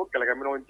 O kɛlɛ